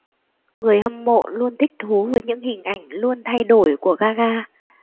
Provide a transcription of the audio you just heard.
người hâm mộ luôn thích thú với những hình ảnh luôn thay đổi của gaga